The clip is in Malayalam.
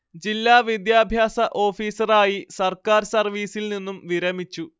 ജില്ലാ വിദ്യാഭ്യാസ ഓഫീസറായി സർക്കാർ സർവീസിൽ നിന്നും വിരമിച്ചു